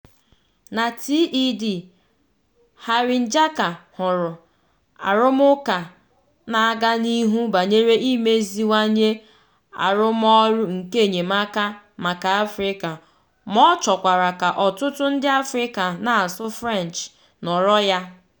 Na TED, Harinjaka hụrụ arụmụka na-aga n'ihu banyere imeziwanye arụmọrụ nke enyemaka maka Afrịka ma ọ chọkwara ka ọtụtụ ndị Afrịka na-asụ French nọrọ ya.